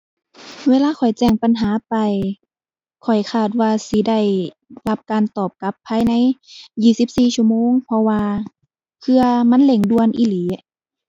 เวลาข้อยแจ้งปัญหาไป ข้อยคาดว่าสิได้ รับการตอบกลับภายในยี่สิบสี่ชั่วโมง เพราะว่าเทื่อมันเร่งด่วนอีหลี